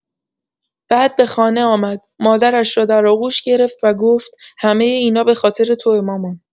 بعد به خانه آمد، مادرش را در آغوش گرفت و گفت: «همۀ اینا به‌خاطر توئه، مامان!»